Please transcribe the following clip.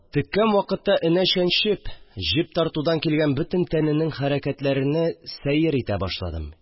Теккән вакытта энә чәнчеп җеп тартудан килгән бөтен тәненең хәрәкәтләрене сәер итә башладым